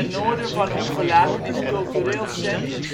noorden van Hoevelaken is cultureel centrum